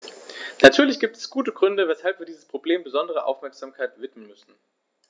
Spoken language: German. Natürlich gibt es gute Gründe, weshalb wir diesem Problem besondere Aufmerksamkeit widmen müssen.